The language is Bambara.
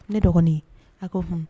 Ne dɔgɔnin, a ko hun.